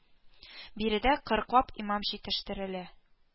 Биредә кырыклап имам җитештерелә